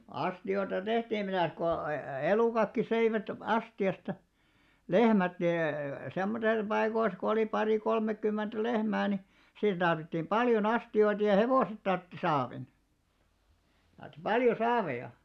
astioita tehtiin mitäs kun - elukatkin söivät astiasta lehmät niin semmoisissa paikoissa kun oli pari kolmekymmentä lehmää niin siinä tarvittiin paljon astioita ja hevoset tarvitsi saavin tarvitsi paljon saaveja